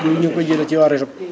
jiw bi ñu ngi koy jëlee si waa RESOP